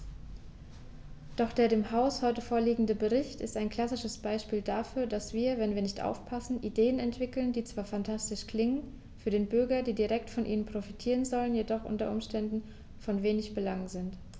Doch der dem Haus heute vorliegende Bericht ist ein klassisches Beispiel dafür, dass wir, wenn wir nicht aufpassen, Ideen entwickeln, die zwar phantastisch klingen, für die Bürger, die direkt von ihnen profitieren sollen, jedoch u. U. von wenig Belang sind.